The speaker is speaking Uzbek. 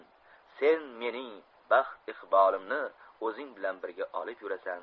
sen mening baxti iqbolimni o'zing bilan birga olib yurasan